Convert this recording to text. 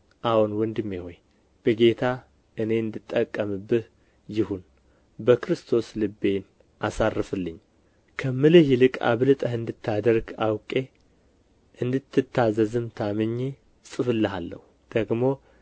አዎን ወንድሜ ሆይ በጌታ እኔ እንድጠቀምብህ ይሁን በክርስቶስ ልቤን አሳርፍልኝ ከምልህ ይልቅ አብልጠህ እንድታደርግ አውቄ እንድትታዘዝም ታምኜ እጽፍልሃለሁ ደግሞ